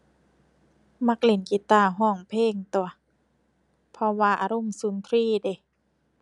มักเล่นกีตาร์ร้องเพลงตั่ว เพราะว่าอารมณ์สุนทรีย์เดะ